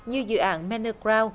như dự án men nơ gờ rao